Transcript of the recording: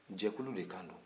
jɛkulu le kan